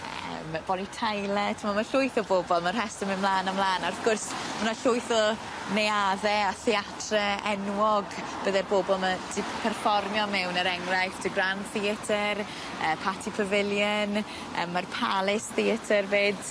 Yym Bonny Tyler t'mo ma' llwyth o bobol ma' rhestr myn' mlan a mlan a wrth gwrs ma' 'ny llwyth o neadde a theatre enwog bydde'r bobol ma' 'di p- perfformio miwn er enghraifft y Grand Theatre yy Patti Pavilion yym ma'r Palace Theatre 'fyd.